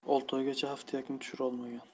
olti oygacha haftiyakni tushirolmagan